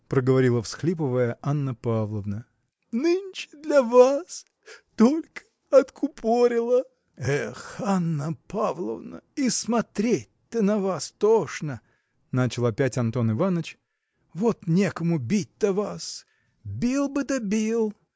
– проговорила, всхлипывая, Анна Павловна, – нынче для вас. только. откупорила. – Эх Анна Павловна и смотреть-то на вас тошно – начал опять Антон Иваныч – вот некому бить-то вас бил бы да бил!